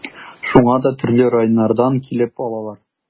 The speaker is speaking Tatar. Шуңа да төрле районнардан килеп алалар.